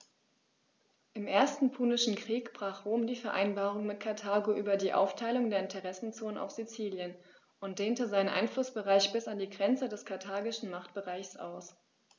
Im Ersten Punischen Krieg brach Rom die Vereinbarung mit Karthago über die Aufteilung der Interessenzonen auf Sizilien und dehnte seinen Einflussbereich bis an die Grenze des karthagischen Machtbereichs aus.